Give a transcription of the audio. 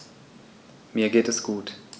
Mir geht es gut.